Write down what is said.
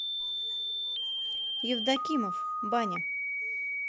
евдокимов баня